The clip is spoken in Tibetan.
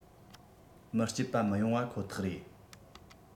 མི སྐྱིད བ མི ཡོང པ ཁོ ཐག རེད